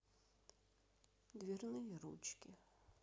дверные ручки